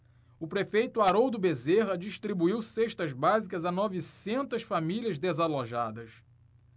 o prefeito haroldo bezerra distribuiu cestas básicas a novecentas famílias desalojadas